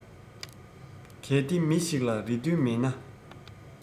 གལ ཏེ མི ཞིག ལ རེ འདུན མེད ན